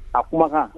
A kumakan